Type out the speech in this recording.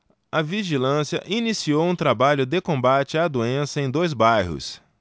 a vigilância iniciou um trabalho de combate à doença em dois bairros